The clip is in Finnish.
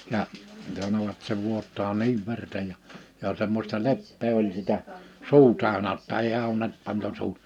ja sanoivat se vuotaa niin verta ja ja semmoista leppää oli sitä suu täynnä jotta ei auennut pantu suu